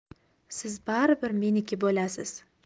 siz baribir meniki bo'lasiz